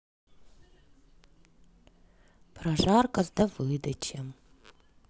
прожарка с давыдычем